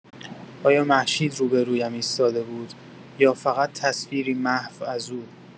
آیا مهشید روبه‌رویم ایستاده بود، یا فقط تصویری محو از او؟